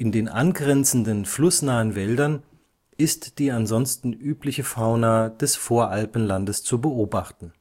den angrenzenden flussnahen Wäldern ist die ansonsten übliche Fauna des Voralpenlandes zu beobachten